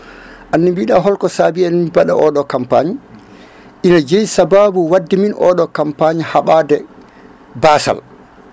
andi mbiɗa holko saabi emin mbaɗa oɗo campagne ine jeeyi saababu waddemin oɗo campagne haaɓade basal